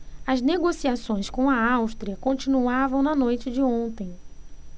as negociações com a áustria continuavam na noite de ontem